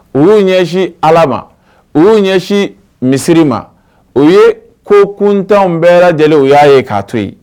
U ɲɛsin ala ma u ɲɛsin misiri ma u ye ko kuntanw bɛɛ lajɛlen u y'a ye k'a to yen